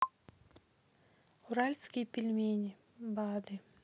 уральские пельмени бады